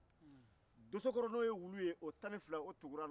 nin ye suguruba de ye o tɛ